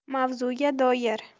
mavzuga doir